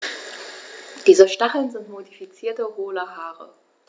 Diese Stacheln sind modifizierte, hohle Haare.